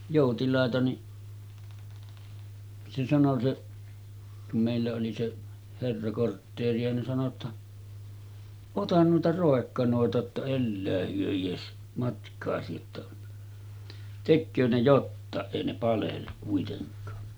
joutilaita niin se sanoi se kun meillä oli se herra kortteeria niin sanoi jotta ota noita roikkanoita jotta elää he edes matkaasi jotta tekee ne jotakin ei ne palellu kuitenkaan